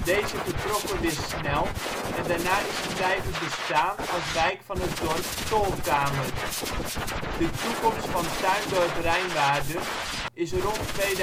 Deze vertrokken weer snel en daarna is het blijven bestaan als wijk van het dorp Tolkamer. De toekomst van Tuindorp Rijnwaarden is rond 2005